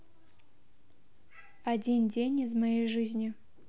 один день из моей жизни